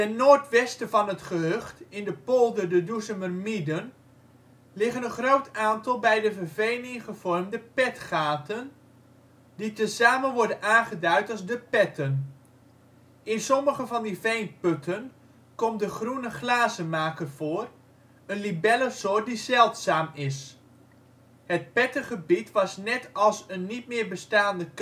noordwesten van het gehucht in de polder de Doezumermieden liggen een groot aantal bij de vervening gevormde petgaten, die tezamen worden aangeduid als De Petten. In sommige van die veenputten komt de groene glazenmaker voor, een libellesoort die zeldzaam is. Het pettengebied was net als een niet meer bestaande